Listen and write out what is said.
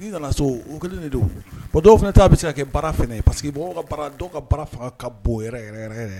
N nana so o kelen de dɔw fana t' a bɛ se ka kɛ baara ye paseke ka ka baara faga ka bon